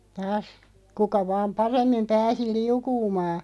taas kuka vain paremmin pääsi liukumaan